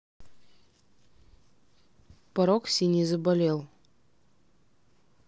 парок синий заболел